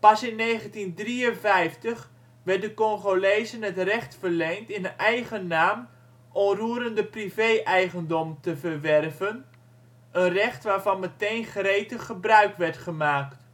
Pas in 1953 werd de Congolezen het recht verleend in eigen naam onroerende privé-eigendom te verwerven - een recht waarvan meteen gretig gebruik werd gemaakt